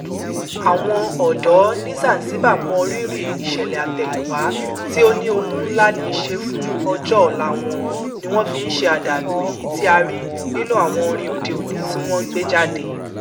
Àwọn ọ̀dọ́ ní Zanzibar mọ rírìi ìṣẹ̀lẹ̀ àtẹ̀yìnwá tí ó ní ohun ńlá ní í ṣe fún ọjọ́ ọ̀la wọn, ni wọ́n fi ń ṣe àdàlù èyí tí a rí nínú àwọn orin òde òní tí wọn ń gbé jáde.